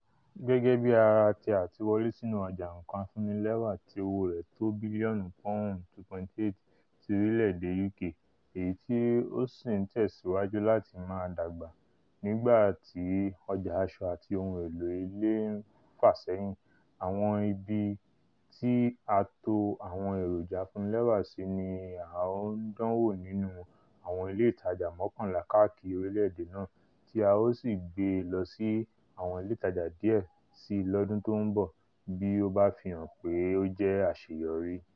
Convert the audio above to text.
Gẹ́gẹ́ bí ara ti àtiwọlé sínú ọjà nǹkan afúnnilẹ́wà tí owó rẹ̀ tó bílíọ́ọ̀nù pọ́ùn 2.8 ti orílẹ̀-èdè UK, èyití ó sì ń tẹ̀síwájù láti máa dàgbà nígbà ti ọjà aṣọ àti ohun èlò ilé ń fà sẹ́yìn, àwọn ibití a tò àwọn èrójà afúnnilẹ́wà sí ni a ó dánwò nínú àwọn ilé ìtajà mọ́kànlá káákìri orílẹ̀-èdè náà tí a ó sì gbé e lọsí́ àwọn ilé ìtajà díẹ̀ síi lọ́dun tó ḿbọ̀ bí ó bá fihàn pé o jẹ́ àṣeyọrí.